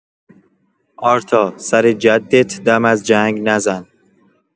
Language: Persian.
آرتا سر جدت دم از جنگ نزن